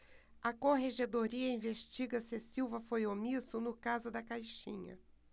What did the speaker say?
a corregedoria investiga se silva foi omisso no caso da caixinha